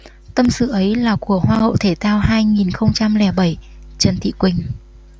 tâm sự ấy là của hoa hậu thể thao hai nghìn không trăm lẻ bảy trần thị quỳnh